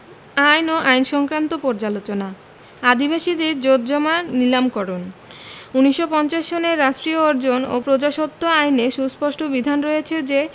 আইন ও আইন সংক্রান্ত পর্যালোচনা আদিবাসীদের জোতজমা নীলামকরণ ১৯৫০ সনের রাষ্ট্রীয় অর্জন ও প্রজাস্বত্ব আইনে সুস্পষ্ট বিধান রয়েছে যে